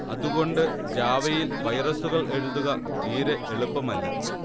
അതുകൊണ്ട് ജാവയിൽ വൈറസുകൾ എഴുതുക തീരെ എളുപ്പമല്ല